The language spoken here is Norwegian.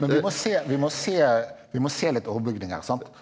men vi må se vi må se vi må se litt overbygging her sant.